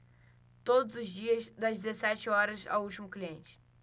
todos os dias das dezessete horas ao último cliente